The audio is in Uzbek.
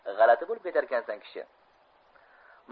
g'alati bo'lib ketarkansan kishi